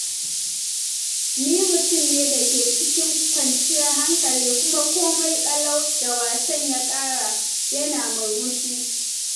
“Ni mutun ne dake cikin kwanciyar hankali kuma komai kalau,” dan wasan ya ƙara, yana murmushi.